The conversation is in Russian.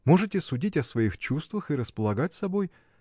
можете судить о своих чувствах и располагать собой.